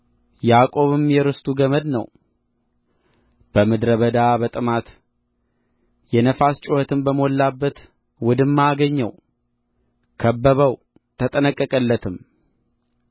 ያዕቆብም የርስቱ ገምድ ነው በምድረ በዳ በጥማት የነፋስ ጩኸትም በሞላበት ውድማ አገኘው ከበበው ተጠነቀቀለትም